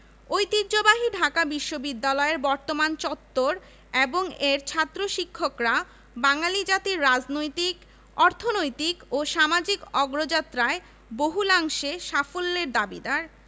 Sirajul Haq G C Deb J C Ghosh A B M Habibullah Mokarram Hossain Khondkar Kazi Motahar Hossain Sushil Kumar they